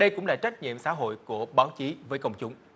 đây cũng là trách nhiệm xã hội của báo chí với công chúng